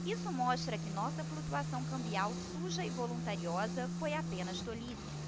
isso mostra que nossa flutuação cambial suja e voluntariosa foi apenas tolice